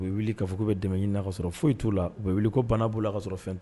U bi wili ka fɔ ku bɛ dɛmɛ ɲiini na ka sɔrɔ foyi tu la. U bi wuli ko bana bu la ka sɔrɔ fɛn tu